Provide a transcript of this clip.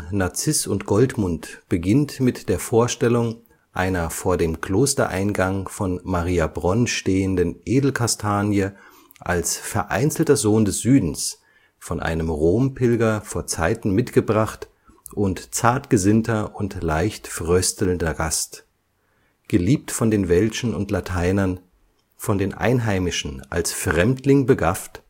Narziss und Goldmund beginnt mit der Vorstellung einer vor dem Klostereingang von Mariabronn stehenden Edelkastanie als vereinzelter Sohn des Südens, von einem Rompilger vorzeiten mitgebracht und zartgesinnter und leicht fröstelnder Gast …, geliebt von den Welschen und Lateinern, von den Einheimischen als Fremdling begafft